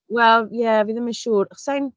Wel ie, fi ddim yn siŵr. Sa i'n...